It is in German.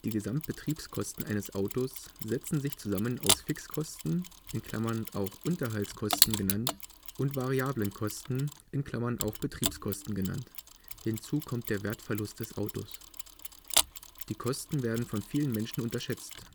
Gesamtbetriebskosten eines Autos setzen sich zusammen aus Fixkosten (auch „ Unterhaltskosten “genannt) und variablen Kosten (auch „ Betriebskosten “genannt), hinzu kommt der Wertverlust des Autos. Die Kosten werden von vielen Menschen unterschätzt